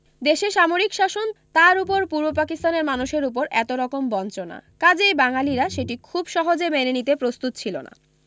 দেশে সামরিক শাসন তার ওপর পূর্ব পাকিস্তানের মানুষের ওপর এতরকম বঞ্চনা কাজেই বাঙালিরা সেটি খুব সহজে মেনে নিতে প্রস্তুত ছিল না